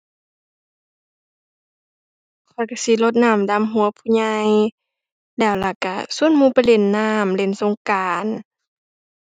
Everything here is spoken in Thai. ข้อยก็สิรดน้ำดำหัวผู้ใหญ่ แล้วแล้วก็ก็หมู่ไปเล่นน้ำ เล่นสงกรานต์